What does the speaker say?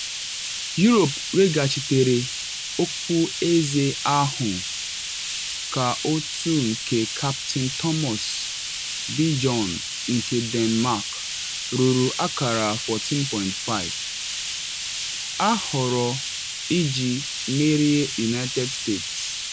Europe weghachitere okpu eze ahụ ka otu nke kaptịn Thomas Bjorn nke Denmark ruru akara 14.5 ha chọrọ iji merie United States.